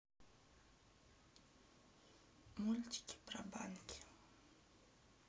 мультики про банки